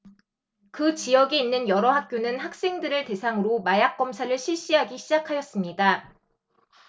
그 지역에 있는 여러 학교는 학생들을 대상으로 마약 검사를 실시하기 시작하였습니다